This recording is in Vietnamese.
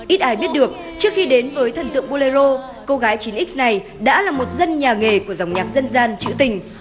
ít ai biết được trước khi đến với thần tượng bô lê rô cô gái chín ích này đã là một dân nhà nghề của dòng nhạc dân gian trữ tình